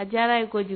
A diyara ye kojugu